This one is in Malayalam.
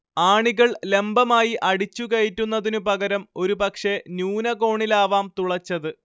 ആണികൾ ലംബമായി അടിച്ചുകയറ്റുന്നതിനു പകരം ഒരുപക്ഷേ ന്യൂനകോണിലാവാം തുളച്ചത്